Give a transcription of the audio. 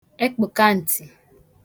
ekpụ̀kaǹtì